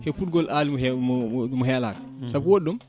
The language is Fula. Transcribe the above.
e awdi awdi mo heelaka saabu ko waɗi ɗum